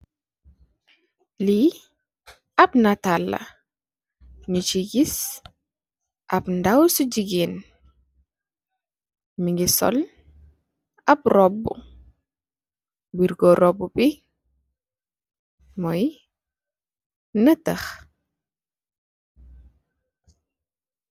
Lii ab nataal la, ñu ci gis ab ndaw si jigeen. Mu ngi sol ab roobu. Wirgoo roobu bi, mooy nëtëx.